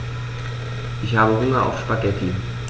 Ich habe Hunger auf Spaghetti.